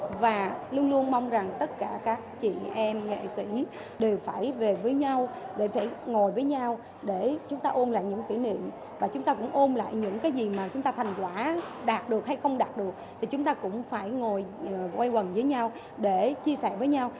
và luôn luôn mong rằng tất cả các chị em nghệ sĩ đều phải về với nhau để phải ngồi với nhau để chúng ta ôn lại những kỷ niệm mà chúng ta cũng ôn lại những cái gì mà chúng ta thành quả đạt được hay không đạt được thì chúng ta cũng phải ngồi quây quần với nhau để chia sẻ với nhau